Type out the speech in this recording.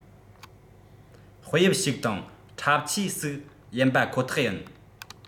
དཔེ དབྱིབས ཞིག དང འཁྲབ ཆས སིག ཡིན པ ཁོ ཐག ཡིན